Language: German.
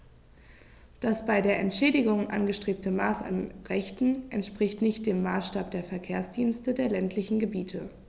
Das bei der Entschädigung angestrebte Maß an Rechten entspricht nicht dem Maßstab der Verkehrsdienste der ländlichen Gebiete.